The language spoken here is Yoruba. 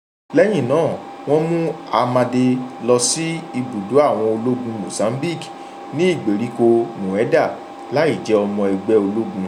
Lẹ́yìn náà, wọ́n mú Amade lọ sí ibùdó àwọn ológun Mozambique ní ìgbèríko Mueda láìjẹ́ ọmọ ẹgbẹ́ ológun.